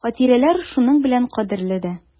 Хатирәләр шуның белән кадерле дә.